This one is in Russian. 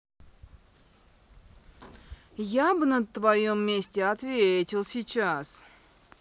я бы на твоем месте ответил сейчас